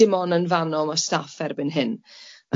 dim ond yn fanno ma' staff erbyn hyn... Ie ie...